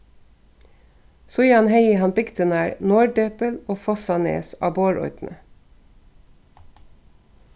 síðan hevði hann bygdirnar norðdepil og fossánes á borðoynni